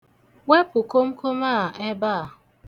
Wepụ komkom a ebe a!